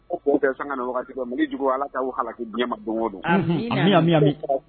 An bɛ dugawu kɛ sanga ni waati Mali juguw Ala ka halaki diɲɛma don o don, amina, amin, amin, amin